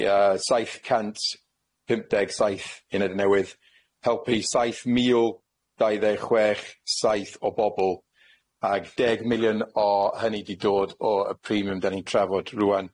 ia saith cant pump deg saith unede newydd helpu saith mil dau ddeg chwech saith o bobol, ag deg miliwn o hynny di dod o y premium dan ni'n trafod rŵan.